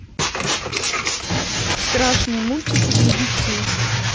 страшные мультики для детей